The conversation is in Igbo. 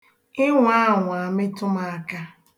Ị nwa anwa metụ m aka.